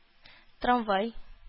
Трамвай